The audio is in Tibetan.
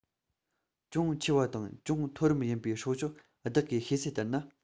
ཅུང ཆེ བ དང ཅུང མཐོ རིམ ཡིན པའི སྲོག ཆགས བདག གིས ཤེས གསལ ལྟར ན